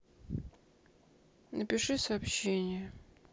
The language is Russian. напиши сообщение